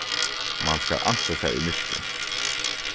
mann skal ansa sær í myrkri